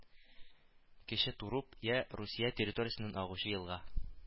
Кече Туруп-Я Русия территориясеннән агучы елга